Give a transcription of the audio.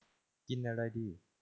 กินอะไรดี